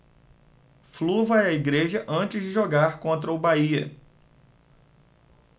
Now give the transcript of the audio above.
flu vai à igreja antes de jogar contra o bahia